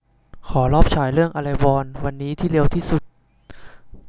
ขอรอบฉายเรื่องอะไรวอลวันนี้ที่เร็วที่สุด